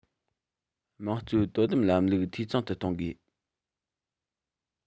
དམངས གཙོའི དོ དམ ལམ ལུགས འཐུས ཚང དུ གཏོང དགོས